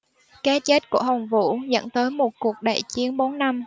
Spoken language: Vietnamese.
cái chết của hồng vũ dẫn tới một cuộc nội chiến bốn năm